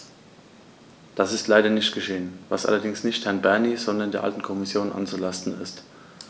Das ist leider nicht geschehen, was allerdings nicht Herrn Bernie, sondern der alten Kommission anzulasten ist.